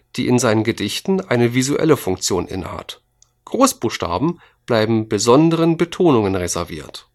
die in seinen Gedichten eine visuelle Funktion innehat. Großbuchstaben bleiben besonderen Betonungen reserviert